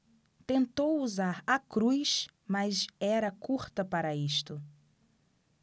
tentou usar a cruz mas era curta para isto